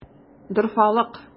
Дорфалык!